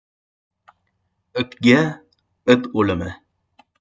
itga it o'limi